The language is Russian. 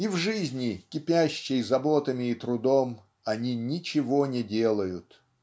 И в жизни, кипящей заботами и трудом, они ничего не делают.